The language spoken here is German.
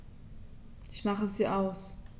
Ich mache sie aus.